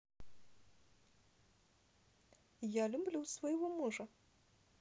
я люблю своего мужа